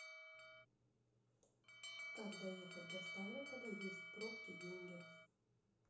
как доехать до ставрополя есть пробки деньги